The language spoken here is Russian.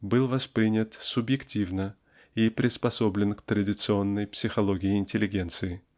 был воспринят "субъективно" и приспособлен к традиционной психологии интеллигенции.